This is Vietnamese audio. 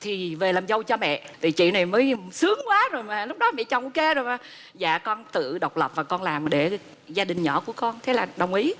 thì về làm dâu cho mẹ thì chị này mới sướng quá rồi mà lúc đó mẹ chồng kê rồi mà dạ con tự độc lập và con làm để gia đình nhỏ của con thế là đồng ý